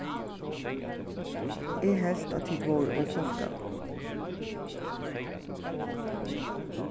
eg helt at tit vóru ófólkalig